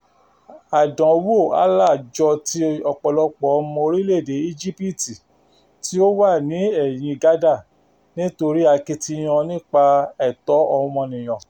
Àdánwòo Alaa jọ ti ọ̀pọ̀lọpọ̀ ọmọ orílẹ̀-èdè Íjípìtì tí ó wà ní ẹ̀yin gádà nítorí akitiyan wọn nípa ẹ̀tọ́ ọmọnìyàn.